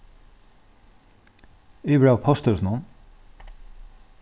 yvir av posthúsinum